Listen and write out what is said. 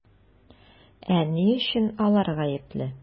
Ә ни өчен алар гаепле?